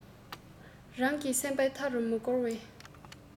རང གི སེམས པའི མཐའ རུ མི སྐོར བའི